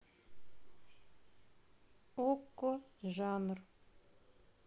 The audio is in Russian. окко жанр